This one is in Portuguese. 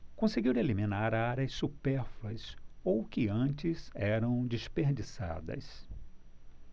conseguiram eliminar áreas supérfluas ou que antes eram desperdiçadas